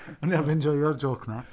O'n i'n arfer enjoio'r jôc yna.